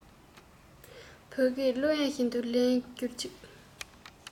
བོད སྐད གླུ དབྱངས བཞིན དུ ལེན འགྱུར ཅིག